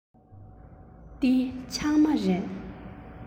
འདི ཕྱགས མ རེད